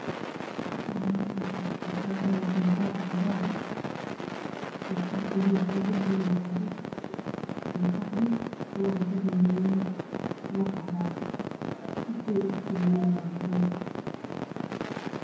Meshan labanin ayaa fadhiso way wataan shaatiyal cadaan ah iyo suud buluug ah darbiga waa cadees iyo qaxwi waxaa kadanbeeyana wax cadaan ah kursiga ay ku fadhiyana waa cadaan